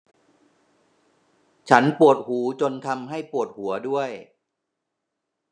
ฉันปวดหูจนทำให้ปวดหัวด้วย